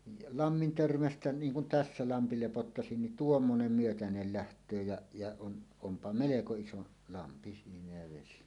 ja lammin törmästä niin kuin tässä lampi lepottaisi niin tuommoinen myötäinen lähtee ja ja on onpa melko iso lampi siinä ja vesi